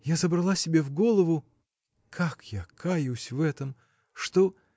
я забрала себе в голову (как я каюсь в этом!), что.